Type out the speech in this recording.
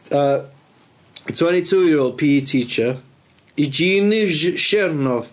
Yy twenty two year old PE teacher, Evgeny Chernov